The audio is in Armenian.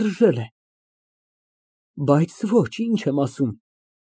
Մերժել է… Բայց ոչ, ինչ եմ ասում։